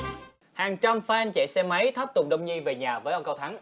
hàng trăm phan chạy xe máy tháp tùng đông nhi về nhà với ông cao thắng